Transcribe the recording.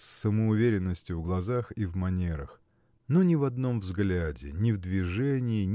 с самоуверенностью в глазах и в манерах. Но ни в одном взгляде ни в движении